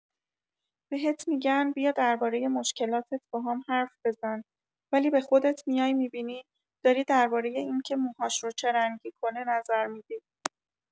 بهت می‌گن بیا دربارۀ مشکلاتت باهام حرف بزن، ولی به خودت میای می‌بینی داری دربارۀ اینکه موهاش رو چه رنگی کنه نظر می‌دی.